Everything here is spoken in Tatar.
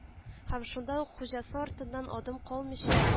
Һәм шунда ук хуҗасы артыннан адым калмыйча